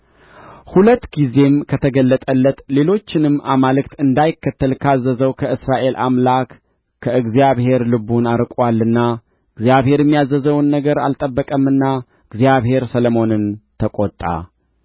ሁለት ጊዜም ከተገለጠለት ሌሎችንም አማልክት እንዳይከተል ካዘዘው ከእስራኤል አምላክ ከእግዚአብሔር ልቡን አርቆአልና እግዚአብሔርም ያዘዘውን ነገር አልጠበቀምና እግዚአብሔር ሰሎሞንን ተቈጣ